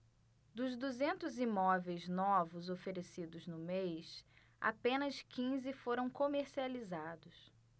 dos duzentos imóveis novos oferecidos no mês apenas quinze foram comercializados